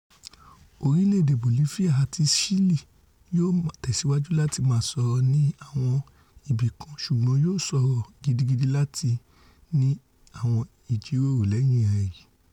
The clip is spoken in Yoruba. orílẹ̀-èdè Bolifia àti Ṣílì̀ yóò tẹ̀síwajú láti máa sọ̀rọ̀ ni àwọn ibi kan, ṣùgbọ́n yóò ṣòro gidigidi láti ní àwọn ìjíròrò lẹ́yìn èyí.